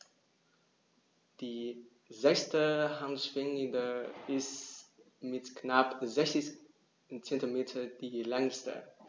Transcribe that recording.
Die sechste Handschwinge ist mit knapp 60 cm die längste.